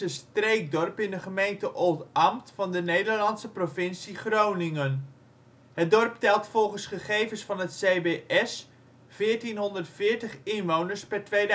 streekdorp in de gemeente Oldambt van de Nederlandse provincie Groningen. Het dorp telt volgens gegevens van het CBS 1.440 inwoners (2008